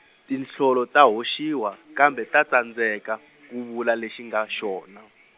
tinhlolo ta hoxiwa kambe ta tsandzeka , ku vula lexi nga xona.